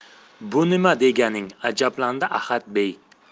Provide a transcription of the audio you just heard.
bu nima deganing ajablandi ahadbey